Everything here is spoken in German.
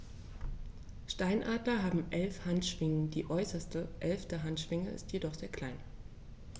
Steinadler haben 11 Handschwingen, die äußerste (11.) Handschwinge ist jedoch sehr klein.